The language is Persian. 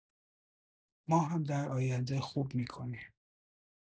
ما هم در آینده خوب می‌کنیم